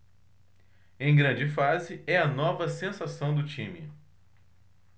em grande fase é a nova sensação do time